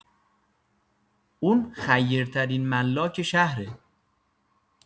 اون خیرترین ملاک شهره